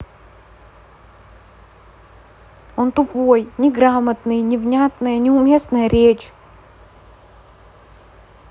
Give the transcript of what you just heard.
он тупой неграмотный невнятное неуместная речь